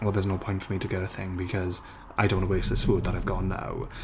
Well there's no point for me to get a thing because I don't want to waste this food that I've got now.